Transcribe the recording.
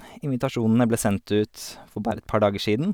Invitasjonene ble sendt ut for bare et par dager siden.